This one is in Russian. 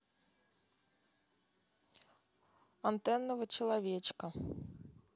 антенного человечка